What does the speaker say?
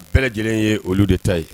Bɛɛ lajɛlen ye olu de ta ye